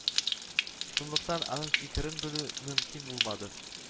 Шунлыктан аның фикерен белү мөмкин булмады